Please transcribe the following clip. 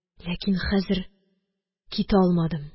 Ләкин хәзер китә алмадым.